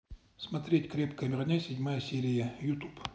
смотреть крепкая броня седьмая серия ютуб